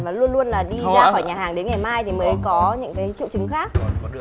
và luôn luôn là đi ra khỏi nhà hàng đến ngày mai thì mới có những cái triệu chứng khác